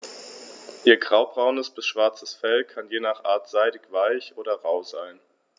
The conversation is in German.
Ihr graubraunes bis schwarzes Fell kann je nach Art seidig-weich oder rau sein.